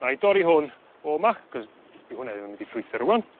'nai dorri hwn o 'ma 'c'os 'di hwnne ddim yn mynd i ffrwytho rŵan